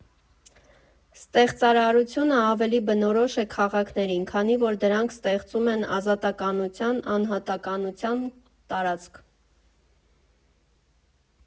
Ստեղծարարությունը ավելի բնորոշ է քաղաքներին, քանի որ դրանք ստեղծում են ազատականության, անհատականության տարածք։